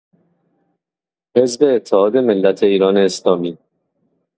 حزب اتحاد ملت ایران اسلامی